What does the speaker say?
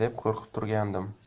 deb qo'rqib turgandim